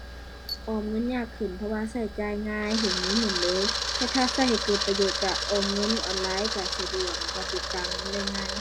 ออมเงินยากขึ้น เพราะว่าใช้จ่ายง่าย เห็นเงินหมุนเร็ว แต่ถ้าใช้ให้เกิดประโยชน์ใช้ ออมเงินออนไลน์ใช้สะดวก แล้วใช้ติดตามเงินได้ง่าย